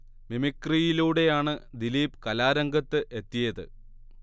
മിമിക്രിയിലൂടെയാണ് ദിലീപ് കലാരംഗത്ത് എത്തിയത്